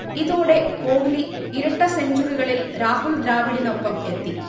ഇതോടെ കോഹ്ലി ഇരട്ട സെഞ്ചുറികളിൽ രാഹുൽ ദ്രാവിഡിനൊപ്പം എത്തി